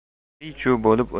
qiy chuv bo'lib